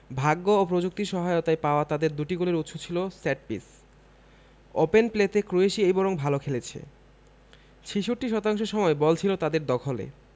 ভাগ্য ও প্রযুক্তির সহায়তায় পাওয়া তাদের দুটি গোলের উৎস ছিল সেটপিস ওপেন প্লেতে ক্রোয়েশিয়াই বরং ভালো খেলেছে ৬৬ শতাংশ সময় বল ছিল তাদের দখলে